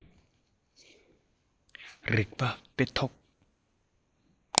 རིག པ དཔེ ཐོག